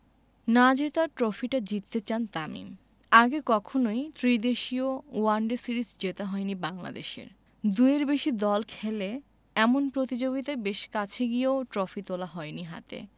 না জেতা ট্রফিটা জিততে চান তামিম আগে কখনোই ত্রিদেশীয় ওয়ানডে সিরিজ জেতা হয়নি বাংলাদেশের দুইয়ের বেশি দল খেলে এমন প্রতিযোগিতায় বেশ কাছে গিয়েও ট্রফি তোলা হয়নি হাতে